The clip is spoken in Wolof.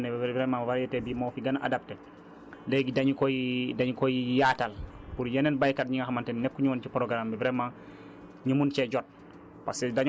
buñ demee ba xam ne vraiment variété bii moo fi gën a adapté léegi dañu koy dañu koy yaatal pour yeneen baykat yi nga xamante ne nekkuñu woon ci programme bi vraiment ñu mën cee jot